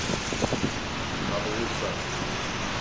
hann er illsvøvntur